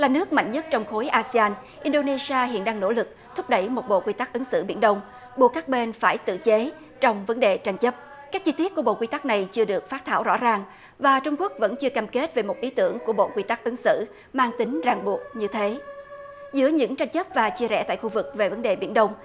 là nước mạnh nhất trong khối a si an in đô nê si a hiện đang nỗ lực thúc đẩy một bộ quy tắc ứng xử biển đông buộc các bên phải tự chế trong vấn đề tranh chấp các chi tiết của bộ quy tắc này chưa được phác thảo rõ ràng và trung quốc vẫn chưa cam kết về một ý tưởng của bộ quy tắc ứng xử mang tính ràng buộc như thế giữa những tranh chấp và chia rẽ tại khu vực về vấn đề biển đông